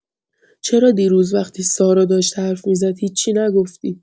چرا دیروز وقتی سارا داشت حرف می‌زد، هیچی نگفتی؟